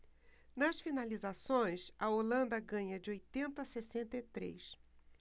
nas finalizações a holanda ganha de oitenta a sessenta e três